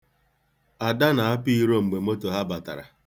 Ada na-apụ iro mgbe moto ha batara.